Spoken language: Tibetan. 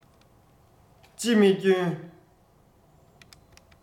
ཅི མི སྐྱོན